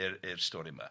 ... i'r i'r stori yma.